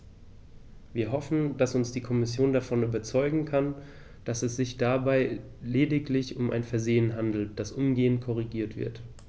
Wir hoffen, dass uns die Kommission davon überzeugen kann, dass es sich dabei lediglich um ein Versehen handelt, das umgehend korrigiert wird.